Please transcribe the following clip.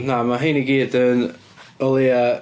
Na, mae rhein i gyd yn o leia...